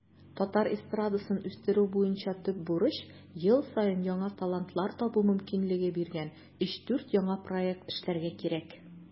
Татар эстрадасын үстерү буенча төп бурыч - ел саен яңа талантлар табу мөмкинлеге биргән 3-4 яңа проект эшләргә кирәк.